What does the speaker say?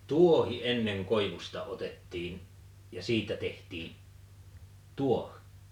no tuohi ennen koivusta otettiin ja siitä tehtiin -